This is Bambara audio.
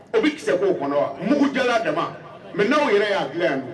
U bɛ kisɛ k'o kɔnɔ wa? Mugu jalan dama, mais n'aw yɛrɛ y'a dilan yan dun?